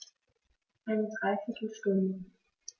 Eine dreiviertel Stunde